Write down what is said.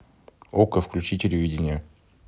окко включи телевидение